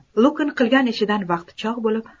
lukn qilgan ishidan vaqti chog' bo'lib